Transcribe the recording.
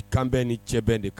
Kanbɛn ni cɛbɛn de